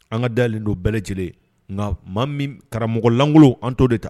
An ka dalen don bɛɛ lajɛlen nka maa min karamɔgɔlangolo an to de ta